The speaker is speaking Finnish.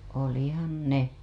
olihan ne